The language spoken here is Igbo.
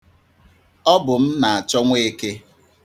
Ọ bụ m na-achọ Nweeke.